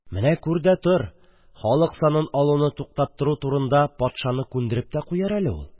Менә күр дә тор, халык санын алуны туктату турысында патшаны күндереп тә куяр әле!